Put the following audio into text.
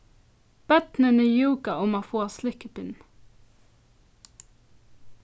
børnini júka um at fáa slikkipinn